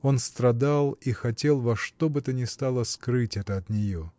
Он страдал — и хотел во что бы то ни стало скрыть это от нее.